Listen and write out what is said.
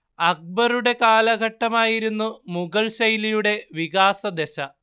അക്ബറുടെ കാലഘട്ടമായിരുന്നു മുഗള്‍ ശൈലിയുടെ വികാസദശ